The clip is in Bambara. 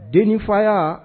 Denfaya